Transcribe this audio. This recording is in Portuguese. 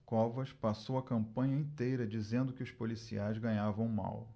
covas passou a campanha inteira dizendo que os policiais ganhavam mal